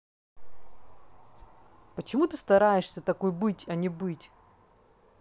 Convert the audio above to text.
почему ты стараешься такой быть а не быть